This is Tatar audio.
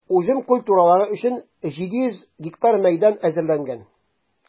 Уҗым культуралары өчен 700 га мәйдан әзерләнгән.